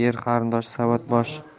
er qarindoshi savat boshi